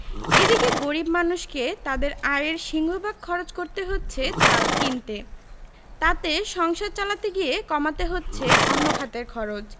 এদিকে গরিব মানুষকে তাঁদের আয়ের সিংহভাগ খরচ করতে হচ্ছে চাল কিনতে তাতে সংসার চালাতে গিয়ে কমাতে হচ্ছে অন্য খাতের খরচ